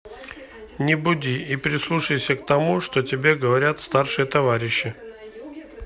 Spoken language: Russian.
не буди и прислушайся к тому что тебе говорят старшие товарищи